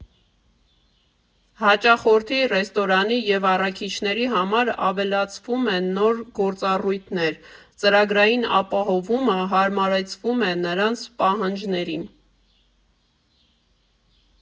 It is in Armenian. Հաճախորդի, ռեստորանի և առաքիչների համար ավելացվում են նոր գործառույթներ, ծրագրային ապահովումը հարմարեցվում է նրանց պահանջներին։